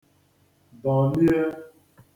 dọ̀lie